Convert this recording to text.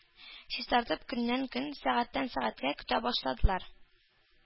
Чистартып көннән-көн, сәгатьтән-сәгатькә көтә башладылар,